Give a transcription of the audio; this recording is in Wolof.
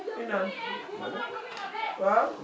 * waaw